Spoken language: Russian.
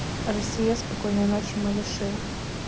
россия спокойной ночи малыши